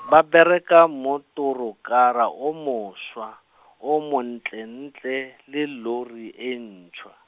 ba bereka mmotorokara o moswa, o montlentle, le lori e ntshwa.